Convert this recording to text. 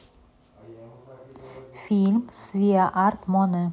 фильмы с виа арт моне